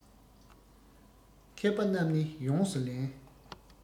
མཁས པ རྣམས ནི ཡོངས སུ ལེན